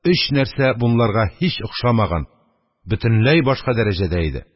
Өч нәрсә бунларга һич охшамаган, бөтенләй башка дәрәҗәдә иде: